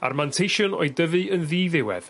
A'r manteision o'i dyfu yn ddiddiwedd.